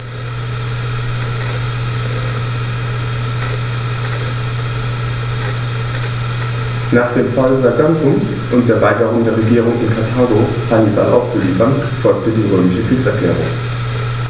Nach dem Fall Saguntums und der Weigerung der Regierung in Karthago, Hannibal auszuliefern, folgte die römische Kriegserklärung.